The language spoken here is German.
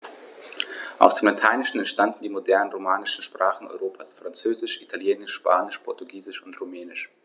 Aus dem Lateinischen entstanden die modernen „romanischen“ Sprachen Europas: Französisch, Italienisch, Spanisch, Portugiesisch und Rumänisch.